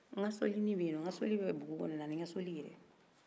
n ka sakini bɛ yen n ka soli bɛ bugu kɔnɔ na ni n ka soli ye dɛ